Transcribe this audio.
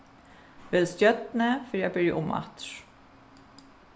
vel stjørnu fyri at byrja umaftur